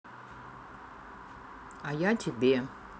а я тебе